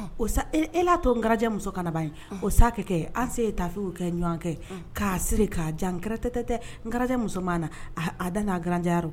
O e'a to garijɛ muso kanaba in o sa kɛ an sen ye taafew kɛ ɲɔgɔn kɛ k'a siri k'a jantɛ tɛ tɛ gari muso mana na a dan n'a garandiyararo